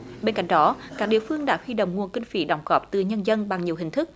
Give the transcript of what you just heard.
bên cạnh đó các địa phương đã huy động nguồn kinh phí đóng góp từ nhân dân bằng nhiều hình thức